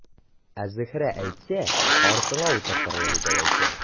Ә Зөһрә әйтсә, артыңа утыртырлык итеп әйтә.